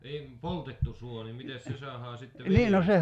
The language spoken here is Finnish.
niin poltettu suo niin mitenkäs se saadaan sitten viljelykseen